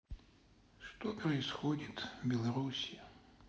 что происходит в беларуси